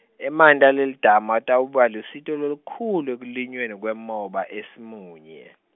emanti alelidamu atawuba lusito lolukhulu, ekulinyweni kwemoba, eSimunye.